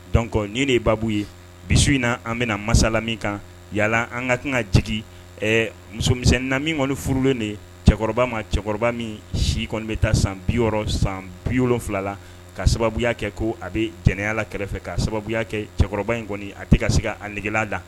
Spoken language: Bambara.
Don ni de ye baabu ye bi in na an bɛna masala min kan yaa an ka kan ka jigin ɛ musomisɛnina min kɔni furulen de cɛkɔrɔba ma cɛkɔrɔba min si kɔni bɛ taa san bi san biy wolonwula la ka sababuya kɛ ko a bɛ jɛnɛya la kɛrɛfɛ ka sababuya kɛ cɛkɔrɔba in kɔni a tɛ ka se a negela la